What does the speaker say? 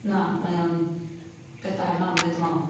Na mae o'n peth da i mam 'fyd dwi me'wl.